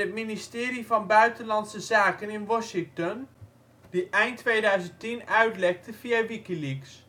ministerie van Buitenlandse Zaken in Washington, die eind 2010 uitlekte via WikiLeaks